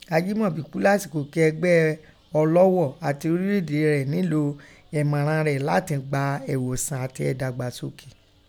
Ajimọbi kú lásìkò kí ẹgbẹ Ọlọ́ghọ̀, ati ọrilẹ ede rẹ nilo ẹ̀mọran rẹ latin gba ẹ̀ghosan ati ẹ̀dagbasoke.